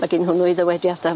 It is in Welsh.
Ma' gin hwnnw ei ddywediada.